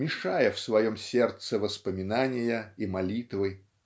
мешая в своем сердце воспоминания и молитвы.